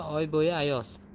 oy bo'yi ayoz